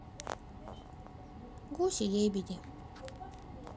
гуси и лебеди